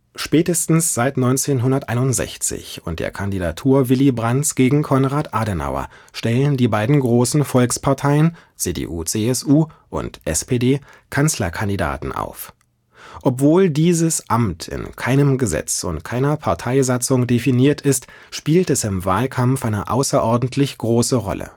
Spätestens seit 1961 und der Kandidatur Willy Brandts gegen Konrad Adenauer stellen die beiden großen Volksparteien, CDU/CSU und SPD, „ Kanzlerkandidaten “auf. Obwohl dieses „ Amt “in keinem Gesetz und keiner Parteisatzung definiert ist, spielt es im Wahlkampf eine außerordentlich große Rolle